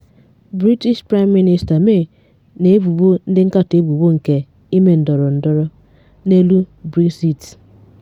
British PM May na ebubo ndị nkatọ ebubo nke ‘ịme ndọrọndọrọ’ n’elu Brexit